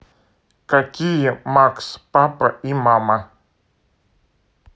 какие макс папа и мама